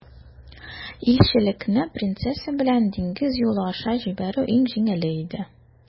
Илчелекне принцесса белән диңгез юлы аша җибәрү иң җиңеле иде.